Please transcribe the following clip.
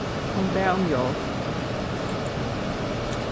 hon bað um hjálp